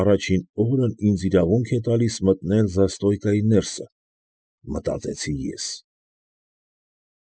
Առաջին օրն ինձ իրավունք է տալիս մտնել զաստոյկայի ներսը» ֊ մտածեցի ես։